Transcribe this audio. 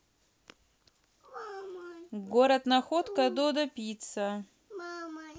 город находка додо пицца